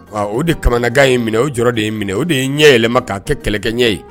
Wa o de kamanakan ye n minɛ, o jɔrɔ de ye n minɛ, o de ye ɲɛ yɛlɛma k'a kɛ kɛlɛkɛ ɲɛ ye.